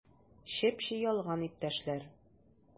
Чеп-чи ялган, иптәшләр!